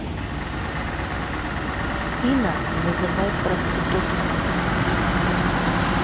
афина вызвать проститутку